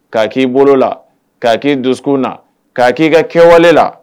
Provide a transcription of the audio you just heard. K' k'i bolo la k'a k'i donkun na k'a k'i ka kɛwale la